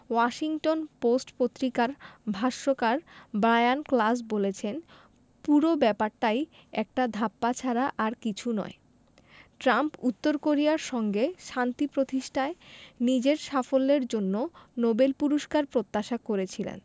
Washington Post পত্রিকার ভাষ্যকার Brian Klaas বলেছেন পুরো ব্যাপারই একটা ধাপ্পা ছাড়া আর কিছু নয় ট্রাম্প উত্তর কোরিয়ার সঙ্গে শান্তি প্রতিষ্ঠায় নিজের সাফল্যের জন্য নোবেল পুরস্কার প্রত্যাশা করেছিলেন